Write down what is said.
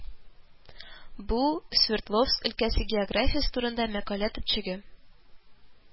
Бу Свердловск өлкәсе географиясе турында мәкалә төпчеге